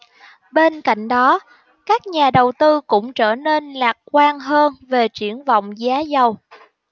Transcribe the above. bên cạnh đó các nhà đầu tư cũng trở nên lạc quan hơn về triển vọng giá dầu